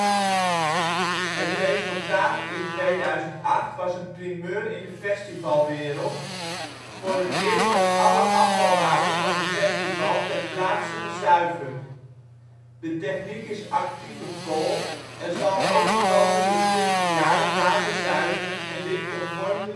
Het resultaat in 2008 was een primeur in de festivalwereld: voor het eerst werd alle afvalwater van een festival ter plaatse gezuiverd. De techniek is actieve kool en zal ook de komende 20 jaar het water zuiveren en dit conform de